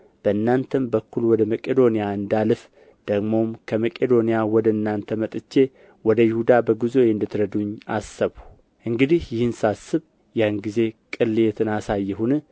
በእናንተም በኩል ወደ መቄዶንያ እንዳልፍ ደግሞም ከመቄዶንያ ወደ እናንተ መጥቼ ወደ ይሁዳ በጉዞዬ እንድትረዱኝ አሰብሁ እንግዲህ ይህን ሳስብ ያን ጊዜ ቅሌትን አሳየሁን